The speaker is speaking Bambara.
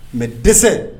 Mais dɛsɛ